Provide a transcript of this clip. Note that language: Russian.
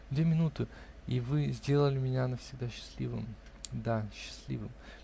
Две минуты, и вы сделали меня навсегда счастливым. Да! счастливым